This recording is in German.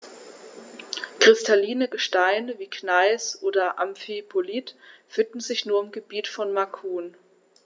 Kristalline Gesteine wie Gneis oder Amphibolit finden sich nur im Gebiet von Macun.